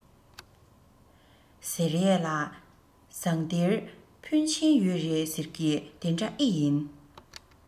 ཟེར ཡས ལ ཟངས གཏེར འཕོན ཆེན ཡོད རེད ཟེར གྱིས དེ འདྲ ཨེ ཡིན